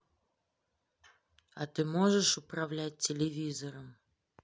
а ты можешь управлять телевизором